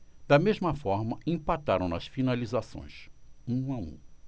da mesma forma empataram nas finalizações um a um